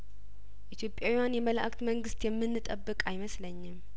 ኢትዮጵያውያን የመላእክት መንግስት የምን ጠብቅ አይመስለኝም